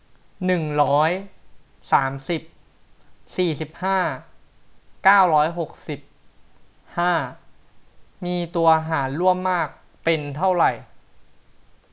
หนึ่งร้อยสามสิบสี่สิบห้าเก้าร้อยหกสิบห้ามีตัวหารร่วมมากเป็นเท่าไหร่